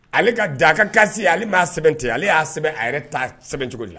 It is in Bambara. Ale ka d kan kan ale maa sɛbɛnte ale y'a sɛbɛn a yɛrɛ ta sɛbɛnbɛn cogo di